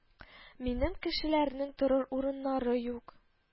Минем кешеләрнең торыр урыннары юк